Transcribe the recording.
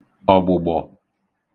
ọ̀gbụ̀gbọ̀